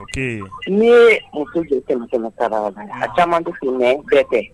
ok N'i ye muso jɔ kɛmɛ-kɛmɛ sara la, a caman bɛ ten mais bɛɛ tɛ